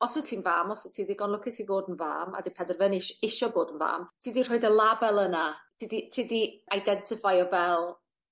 os wt ti'n fam os wt ti ddigon lwcus i fod yn fam a 'di penderfynu ish- isio bod yn fam ti 'di rhoid y label yna ti 'di ti 'di identifeio fel